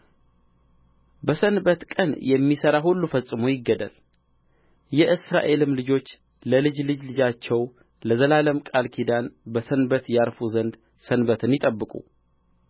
በሰንበት ቀን የሚሠራ ሁሉ ፈጽሞ ይገደል የእስራኤልም ልጆች ለልጅ ልጃቸው ለዘላለም ቃል ኪዳን በሰንበት ያርፉ ዘንድ ሰንበትን ይጠብቁ